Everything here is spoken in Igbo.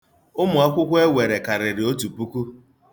Ụmụakwụkwọ e were karịrị otu puku.